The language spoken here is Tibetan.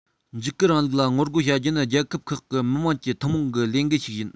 འཇིགས སྐུལ རིང ལུགས ལ ངོ རྒོལ བྱ རྒྱུ ནི རྒྱལ ཁབ ཁག གི མི དམངས ཀྱི ཐུན མོང གི ལས འགན ཞིག ཡིན